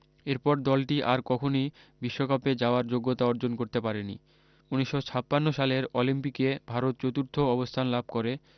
এরপর দলটি আর কখনি বিশ্বকাপে যাওয়ার যোগ্যতা অর্জন করতে পারেনি উনিশশ ছাপান্ন সালের অলিম্পিকে ভারত চতুর্থ অবস্থান লাভ করে